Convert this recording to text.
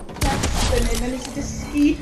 press fyn 'yn a nes i dysgu,